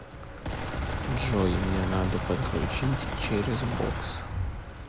джой мне надо подключить через бокс